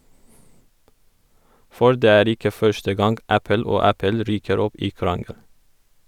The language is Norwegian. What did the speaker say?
For det er ikke første gang Apple og Apple ryker opp i krangel.